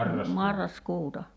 marraskuuta